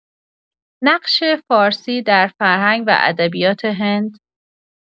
نقش فارسی در فرهنگ و ادبیات هند